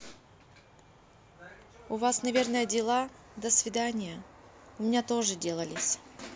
у вас наверное дела до свидания у меня тоже делались